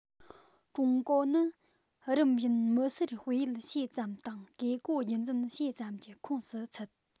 ཀྲུང གོ ནི རིམ བཞིན མི སེར སྤེལ ཡུལ ཕྱེད ཙམ དང བཀས བཀོད རྒྱུད འཛིན ཕྱེད ཙམ གྱི ཁོངས སུ ཚུད